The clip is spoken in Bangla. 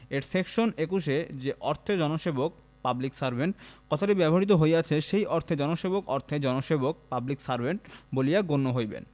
এর সেকশন ২১ এ যে অর্থে জনসেবক পাবলিক সার্ভেন্ট কথাটি ব্যবহৃত হইয়াছে সেই অর্থে জনসেবক অর্থে জনসেবক পাবলিক সার্ভেন্ট বলিয়া গণ্য হইবেন